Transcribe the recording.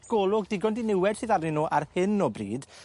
golwg digon diniwed sydd arnyn n'w ar hyn o bryd